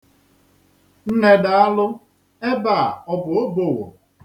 Nnaa, daalụ! Ebe a ọ bụ Oboowo?